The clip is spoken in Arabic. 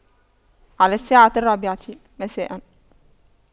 على الساعة الرابعة مساء